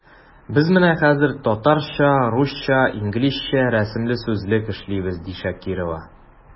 Без менә хәзер “Татарча-русча-инглизчә рәсемле сүзлек” эшлибез, ди Шакирова.